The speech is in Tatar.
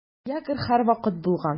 Ягр һәрвакыт булган.